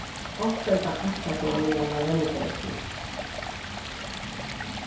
ofta er tað hart at koma niðan á rennibreytina